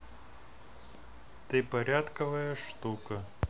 ты порядковая штука